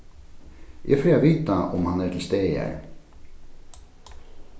eg fari at vita um hann er til staðar